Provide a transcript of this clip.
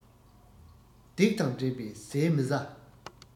སྡིག དང འདྲེས པའི ཟས མི ཟ